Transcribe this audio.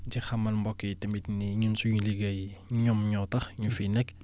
ci xamal mbokk yi tamit ni ñun suñu liggéey ñoom ñoo tax ñu fiy nekk